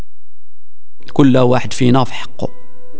كل واحد في نص حقه